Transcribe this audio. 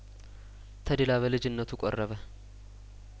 ተድላ በልጅነቱ ቆረበ